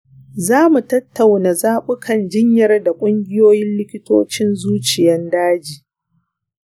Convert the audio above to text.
zamu tattauna zabukan jinyar da kungiyoyin likitocin ciwon daji.